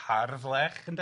Harddlech ynde